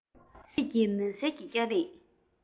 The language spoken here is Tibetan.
ཁྱེད ནི མུན སེལ གྱི སྐྱ རེངས